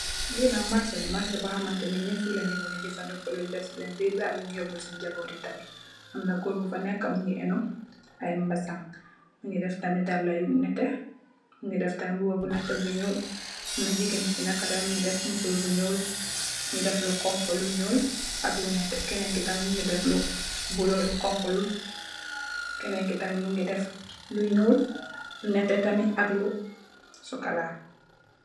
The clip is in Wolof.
Lii nak marse la, marse marse boo xam ne ñeep ñu ñeep fii lañoo muna jafëndeko lu ñuy def si seen biir ak lu ñuy yoobul seen ñoboot. Am na Goor bu fa neekë, mu ngi ennu, bassang, mu ngi def dallë yu nétté, mu ngi def tamit mbubu bu nétté bu ñuul. Am na jigéen bu nekkë tam mu ngi def musoor bu ñuul def lu nétté. Kenen ki tam mu ngi def lu bulo, def lu xoñxu ñu def. Kenen ki tam..xoñxu, kenen ki tam mu ngi def lu ñuul nétté tam aku sokolaa.